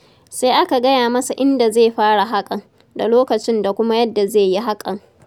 Sai aka gaya masa inda zai fara haƙan da lokacin da kuma yadda zai yi haƙan.